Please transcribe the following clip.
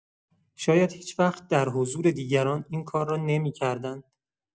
شاید هیچ‌وقت در حضور دیگران این کار را نمی‌کردند.